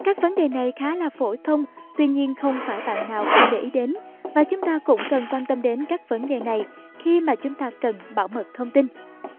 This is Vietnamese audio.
các vấn đề này khá là phổ thông tuy nhiên không phải bạn nào cũng để ý đến và chúng ta cũng cần quan tâm đến các vấn đề này khi mà chúng ta cần bảo mật thông tin